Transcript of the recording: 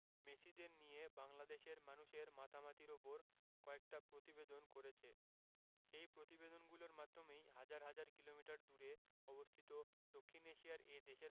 মেসিদের নিয়ে বাংলাদেশের মানুষের মাতামাতির ওপর কয়েকটা প্রতিবেদন করেছে সেই প্রতিবেদনগুলোর মাধ্যমেই হাজার হাজার কিলোমিটার দূরে অবস্থিত দক্ষিণ এশিয়ার এই দেশের